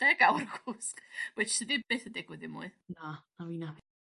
...deg awr cwsg which sy di- byth yn digwydd dim mwy. Na na fina.